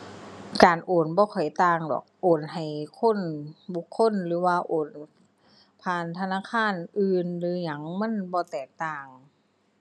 การโอนบ่ค่อยต่างดอก โอนให้คน บุคคล หรือว่าโอนผ่านธนาคารอื่นหรือหยัง มันบ่แตกต่าง